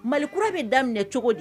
Mali kura bɛ daminɛ cogo di